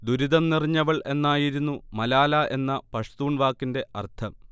'ദുരിതം നിറഞ്ഞവൾ' എന്നായിരുന്നു മലാല എന്ന പഷ്തൂൺ വാക്കിന്റെ അർഥം